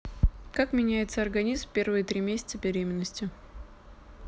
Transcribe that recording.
как меняется организм в первые три месяца беременности